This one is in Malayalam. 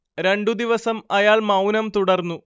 രണ്ടു ദിവസം അയാൾ മൗനം തുടർന്നു